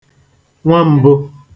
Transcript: nwam̄bụ̄